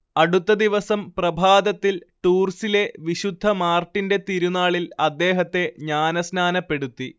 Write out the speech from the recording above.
അടുത്ത ദിവസം പ്രഭാതത്തിൽ ടൂർസിലെ വിശുദ്ധ മാർട്ടിന്റെ തിരുനാളിൽ അദ്ദേഹത്തെ ജ്ഞാനസ്നാനപ്പെടുത്തി